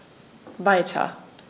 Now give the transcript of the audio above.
Weiter.